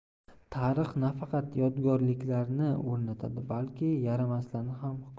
tarix nafaqat yodgorliklarni o'rnatadi balki yaramaslarni ham hukm qiladi